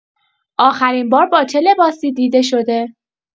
آخرین‌بار با چه لباسی دیده شده؟